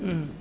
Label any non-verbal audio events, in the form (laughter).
(hesitation) (hesitation)